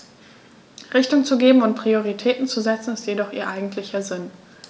Richtung zu geben und Prioritäten zu setzen, ist jedoch ihr eigentlicher Sinn.